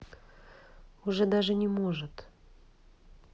уже даже не может